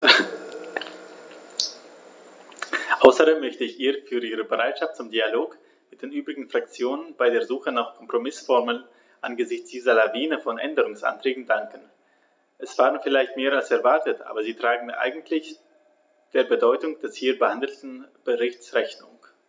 Außerdem möchte ich ihr für ihre Bereitschaft zum Dialog mit den übrigen Fraktionen bei der Suche nach Kompromißformeln angesichts dieser Lawine von Änderungsanträgen danken; es waren vielleicht mehr als erwartet, aber sie tragen eigentlich der Bedeutung des hier behandelten Berichts Rechnung.